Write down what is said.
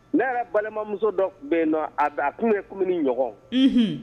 Ne yɛrɛ balimamanmuso dɔ bɛ nɔ a da a kun bɛumumuni ɲɔgɔn h